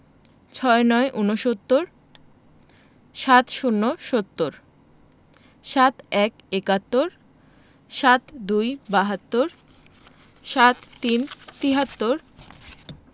৬৯ ঊনসত্তর ৭০ সত্তর ৭১ একাত্তর ৭২ বাহাত্তর ৭৩ তিয়াত্তর